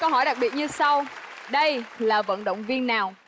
câu hỏi đặc biệt như sau đây là vận động viên nào